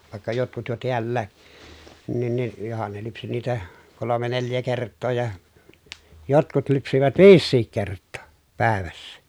vaikka jotkut jo täälläkin niin niin johan ne lypsi niitä kolme neljä kertaa ja jotkut lypsivät viisikin kertaa päivässä